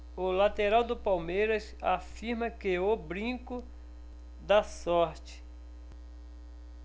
o lateral do palmeiras afirma que o brinco dá sorte